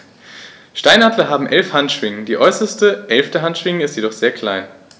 Steinadler haben 11 Handschwingen, die äußerste (11.) Handschwinge ist jedoch sehr klein.